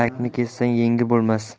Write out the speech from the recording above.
etakni kessang yeng bo'lmas